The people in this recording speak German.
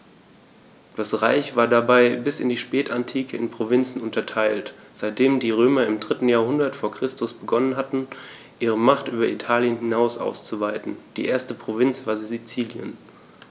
Das Reich war dabei bis in die Spätantike in Provinzen unterteilt, seitdem die Römer im 3. Jahrhundert vor Christus begonnen hatten, ihre Macht über Italien hinaus auszuweiten (die erste Provinz war Sizilien).